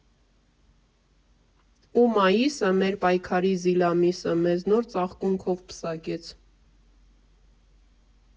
Ու մայիսը՝ մեր պայքարի զիլ ամիսը, մեզ նոր ծաղկունքով պսակեց։